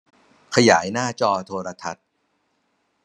ขยายหน้าจอโทรทัศน์